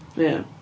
Ia.